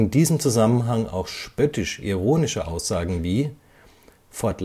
diesem Zusammenhang auch spöttisch-ironische Aussagen wie „ For